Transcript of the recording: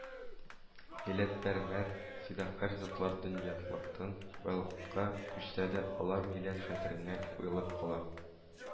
Милләтпәрвәр фидакарь затлар, дөньялыктан бакыйлыкка күчсә дә, алар милләт хәтеренә уелып кала